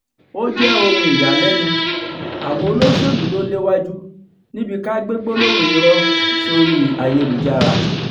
Ó jẹ́ ohun ìyàlẹ́nu, àwọn olóṣèlúu ló léwájú níbi ká gbé gbólóhùn irọ́ sórí ayélujára.